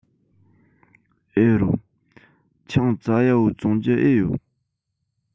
ཨེ རོ ཆང ཙ ཡ བོ བཙོང རྒྱུ ཨེ ཡོད